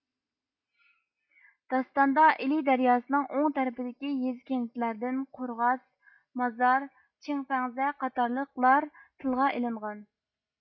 داستاندا ئىلى دەرياسىنىڭ ئوڭ تەرىپىدىكى يېزا كەنتلەردىن قورغاس مازار چىڭفەڭزە قاتارلىقلار تىلغا ئېلىنغان